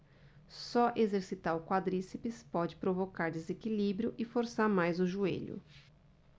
só exercitar o quadríceps pode provocar desequilíbrio e forçar mais o joelho